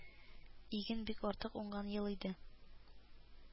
Иген бик артык уңган ел иде